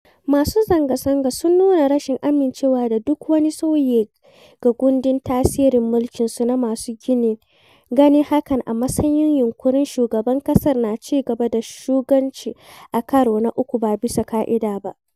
Masu zanga-zangar sun nuna rashin amincewa da duk wani sauyi ga kundin tasrin mulki, su na masu ganin hakan a matsayin yunƙurin shugaban ƙasar na cigaba da shuaganci a karo na uku ba bisa ƙa'ida ba.